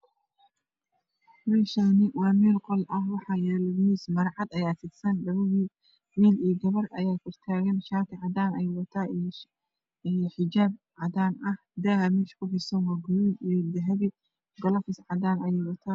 Meshani waa mel qol ah waxayalo miis maro cad aya fisan wll io gabra aya kortagan shati cadan ah ayow wata io ijaab cadan ah dag mesh kufisan waa gaduud io dahbi kolofis cadan ah ayeey watan